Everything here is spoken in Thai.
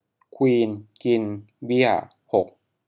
ควีนกินเบี้ยหก